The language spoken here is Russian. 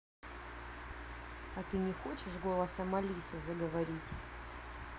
а ты не хочешь голосом алисы заговорить